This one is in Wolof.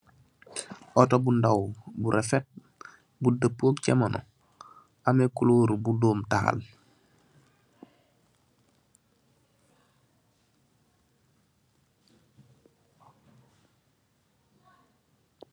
Auto bu ndaw, bu rafet, bu deaupook jamanoh, am kulooru doom tahal.